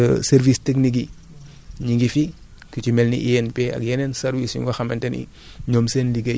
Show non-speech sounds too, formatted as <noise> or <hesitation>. mais jaarale ko daal ci ay ci ay ci ay ay ci ay mbir yu sell <breath> <hesitation> xam naa tamit <hesitation> services techniques yi